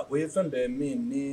O ye fɛn dɔ ye min ni